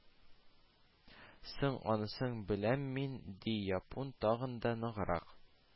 – соң, анысын беләм мин, – ди япун, тагын да ныграк